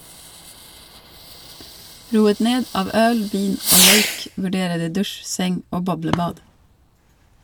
Roet ned av øl, vin og røyk vurderer de dusj, seng og boblebad.